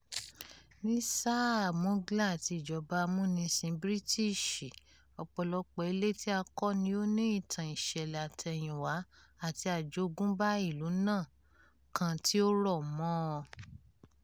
Ní sáàa Mughal àti ìjọba amúnisìn British, ọ̀pọ̀lọpọ̀ ilé tí a kọ́ ni ó ní ìtàn-ìṣẹ̀lẹ̀-àtẹ̀yìnwá àti àjogúnbá ìlú náà kan tí ó rọ̀ mọ́ ọn.